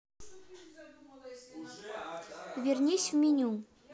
вернись в меню